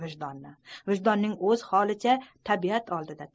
ozi holicha tabiat oldida